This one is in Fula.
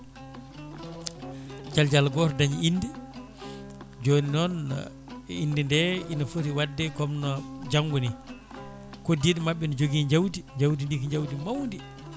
jal Diallo goto daañi inde joni noon indede ene footi wadde comme no janggo ni koddiɗo mabɓe ne joogui jawdi jawdi ndi ko jawdi mawdi